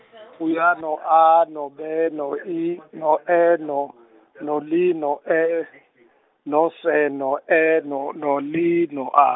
u- Y, no- A, no- B, no- E, no-, no- L, no- E, no- S, no- E, no-, no- L, no- A.